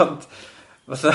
Ond fatha,